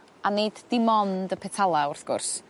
a nid dim ond y petala wrth gwrs.